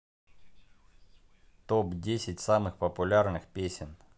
топ десять самых популярных песен